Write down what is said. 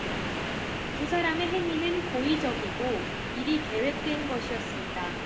두 사람의 행위는 고의적이고 미리 계획된 것이었습니다